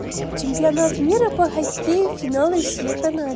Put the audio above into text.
чемпионат мира по хоккею финал россия канада